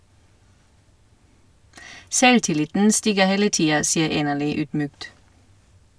Selvtilliten stiger hele tida, sier Enerly ydmykt.